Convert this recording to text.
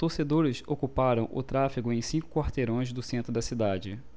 torcedores ocuparam o tráfego em cinco quarteirões do centro da cidade